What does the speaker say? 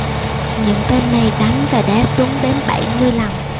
những tên này đánh và đá tuấn đến bảy mươi lần